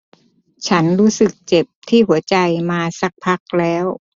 ฉันรู้สึกเจ็บที่หัวใจมาสักพักแล้ว